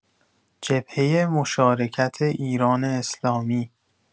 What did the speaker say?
جبهه مشارکت ایران اسلامی